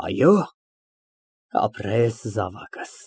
Այո՞։ Ապրես զավակս։